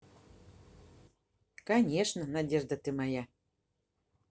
конечно надежда ты моя